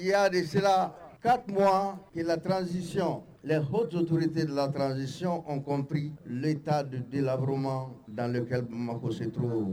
Y yaa de sera ka kun bɔ' latransisiyɔn h sunjatatote latransiyɔnɔn kɔnp ta don de laoroma dan kɛ bamakɔsentu